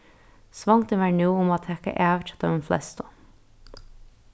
svongdin var nú um at taka av hjá teimum flestu